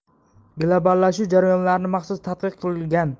globallashuv jarayonlarini maxsus tadqiq qilgan